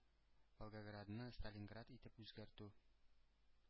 “волгоградны сталинград итеп үзгәртү